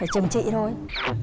trừng trị thôi